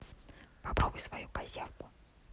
попробуй свою козявку